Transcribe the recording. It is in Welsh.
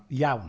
Iawn.